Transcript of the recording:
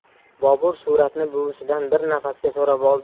bobur suratni buvisidan bir nafasga so'rab